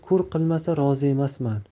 ko'r qilmasa rozi emasman